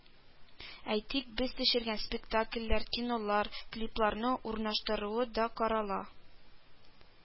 Әйтик, без төшергән спектакльләр, кинолар, клипларны урнаштыруы да карала